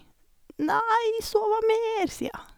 Nei, sove mer, sier hun.